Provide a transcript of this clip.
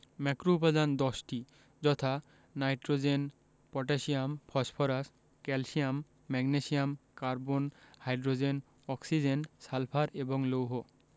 ম্যাক্রোউপাদান ১০ টি যথা nitrogen potassium phosphorus calcium magnesium carbon hydrogen oxygen sulphur এবং লৌহ